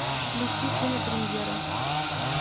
включи кинопремьера